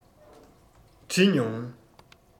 འདྲི མྱོང